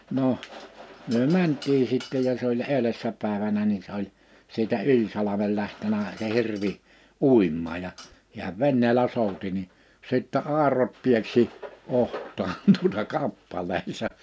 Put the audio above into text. no me mentiin sitten ja se oli edellisenä päivänä niin se oli siitä yli salmen lähtenyt se hirvi uimaan ja hän veneellä souti niin sitten airot pieksi otsaan tuota kappaleen se